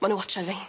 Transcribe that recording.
Ma' nw watsio fi.